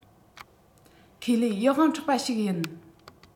ཁས ལེན ཡིད དབང འཕྲོག པ ཞིག ཡིན